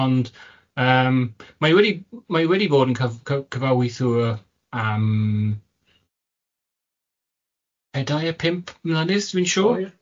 Ond yym, mae wedi... Mae wedi bod yn cyf- cyf- cyfarwyddwr am pedair, pump mlynedd dwi'n siŵr... O ia?